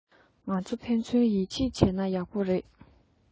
ང ཚོ ཕན ཚུན ཡིད ཆེད བྱེད ན ཡག པོ རེད